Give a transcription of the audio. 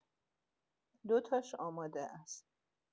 دو تاش آماده است.